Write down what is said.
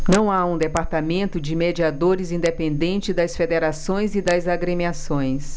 não há um departamento de mediadores independente das federações e das agremiações